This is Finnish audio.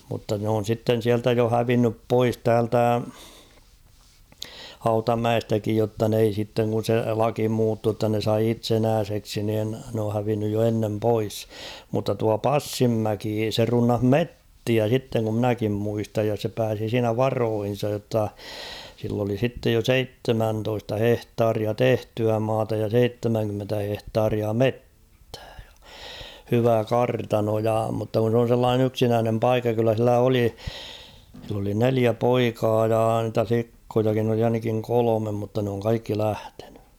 mutta ne on sitten sieltä jo hävinnyt pois täältä Hautamäestäkin jotta ne ei sitten kun se laki muuttui jotta ne sai itsenäiseksi niin ne on hävinnyt jo ennen pois mutta tuo Passinmäki se runnasi metsiä sitten kun minäkin muistan ja se pääsi siinä varoihinsa jotta sillä oli sitten jo seitsemäntoista hehtaaria tehtyä maata ja seitsemänkymmentä hehtaaria metsää ja hyvä kartano ja mutta kun se on sellainen yksinäinen paikka kyllä sillä oli sillä oli neljä poikaa ja niitä likkojakin oli ainakin kolme mutta ne on kaikki lähtenyt